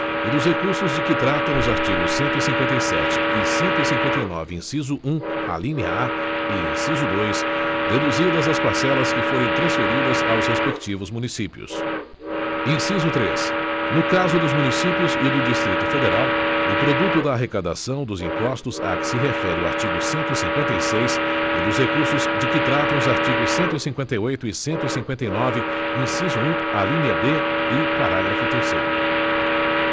e dos recursos de que tratam os artigos cento e cinquenta e sete e cento e cinquenta e nove inciso um alínea a e inciso dois deduzidas as parcelas que forem transferidas aos respectivos municípios inciso três no caso dos municípios e do distrito federal o produto da arrecadação dos impostos a que se refere o artigo cento e cinquenta e seis e dos recursos de que tratam os artigos cento e cinquenta e oito e cento e cinquenta e nove inciso um alínea b e parágrafo terceiro